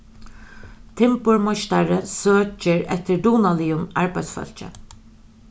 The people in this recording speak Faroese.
timburmeistari søkir eftir dugnaligum arbeiðsfólki